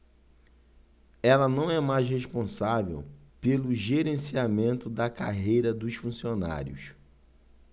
ela não é mais responsável pelo gerenciamento da carreira dos funcionários